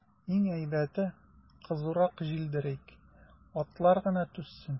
Иң әйбәте, кызурак җилдерик, атлар гына түзсен.